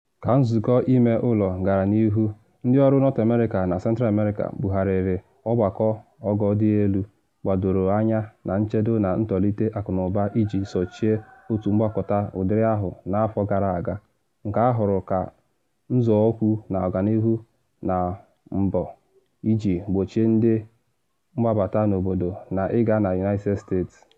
Ka nzụkọ ime ụlọ gara n’ihu, ndị ọrụ North America na Central America bugharịrị ọgbakọ ogo-dị-elu gbadoro anya na nchedo na ntolite akụnụba iji sochie otu mgbakọta ụdịrị ahụ n’afọ gara aga nke ahụrụ ka nzọụkwụ n’ọganihu na mbọ iji gbochie ndị mgbabata n’obodo na ịga na United States.